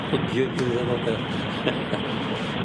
Hwgio'i gilydd a bob peth.